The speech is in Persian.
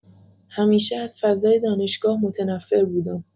همیشه از فضای دانشگاه متنفر بودم.